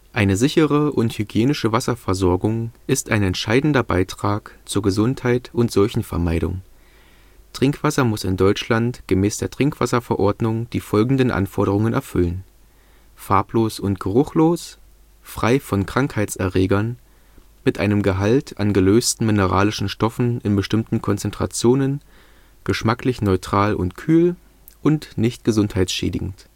Eine sichere und hygienische Wasserversorgung ist ein entscheidender Beitrag zur Gesundheit und Seuchenvermeidung. Trinkwasser muss in Deutschland gemäß der Trinkwasserverordnung (TrinkwV) die folgenden Anforderungen erfüllen. farblos, geruchlos frei von Krankheitserregern mit einem Gehalt an gelösten mineralischen Stoffen in bestimmten Konzentrationen geschmacklich neutral und kühl nicht gesundheitsschädigend